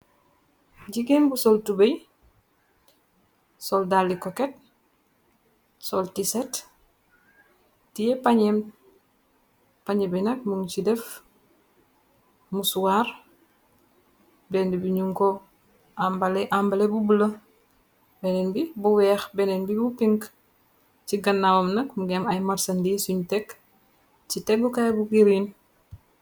Jigéen bu sol tubey sol dalli koket sol tiset tiye pañeem pan bi nag mun ci def musuwar ben bi ñu ko ambale bu bula beneen bi bu weex beneen bi bu orange nurut ci gannaawam nag mu geem ay marsandi suñ tekk ci teggukaay bu werrtah.